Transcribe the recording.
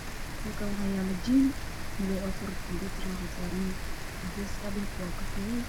Waa qol wax ayaa la jiimka lagu al-multiyo oo lagu arko oo midifkiisa yahay farabadan midooday ah